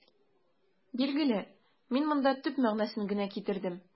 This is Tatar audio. Билгеле, мин монда төп мәгънәсен генә китердем.